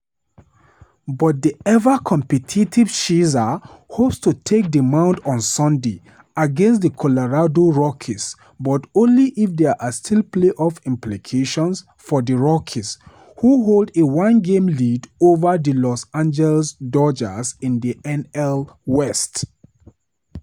But the ever-competitive Scherzer hopes to take the mound on Sunday against the Colorado Rockies, but only if there are still playoff implications for the Rockies, who hold a one-game lead over the Los Angeles Dodgers in the NL West.